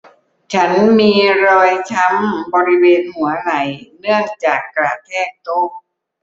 ฉันมีรอยช้ำบริเวณหัวไหล่เนื่องจากกระแทกโต๊ะ